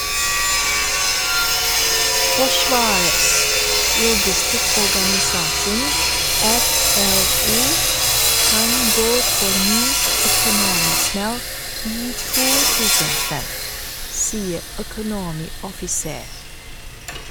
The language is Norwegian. Forsvarets logistikkorganisasjon (FLO) kan gå på ny økonomismell i 2005, sier økonomioffiser.